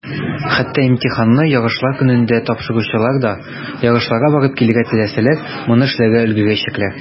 Хәтта имтиханны ярышлар көнендә тапшыручылар да, ярышларга барып килергә теләсәләр, моны эшләргә өлгерәчәкләр.